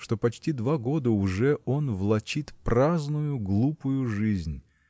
что почти два года уже он влачит праздную глупую жизнь